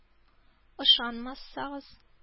Ышанмасагыз